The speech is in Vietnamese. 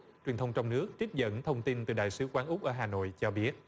truyền thông trong nước tiếp dẫn thông tin từ đại sứ quán úc ở hà nội cho biết